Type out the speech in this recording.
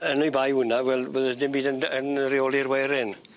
Yn 'i bai wnna wel bydde dim byd yn dy- yn reoli'r weirin.